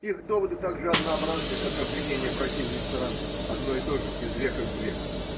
Их доводы так же однообразны, как обвинения противной стороны. Одно и то же из века в век.